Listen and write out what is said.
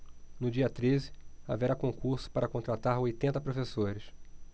no dia treze haverá concurso para contratar oitenta professores